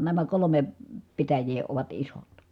nämä kolme pitäjää ovat isot